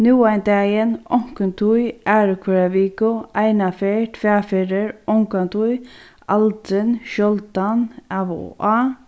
nú ein dagin onkuntíð aðru hvørja viku eina ferð tvær ferðir ongantíð aldrin sjáldan av og á